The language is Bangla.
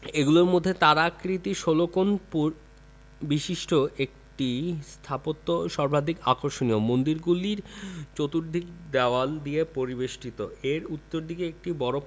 এগুলির মধ্যে তারকাকৃতির ষোল কোণ বিশিষ্ট একটি স্থাপত্য সর্বাধিক আকর্ষণীয় মন্দিরগুলির চতুর্দিকে দেয়াল দ্বারা পরিবেষ্টিত এর উত্তর দিকে একটি বড়